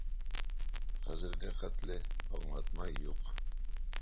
Хәзергә хәтле аңлатма юк.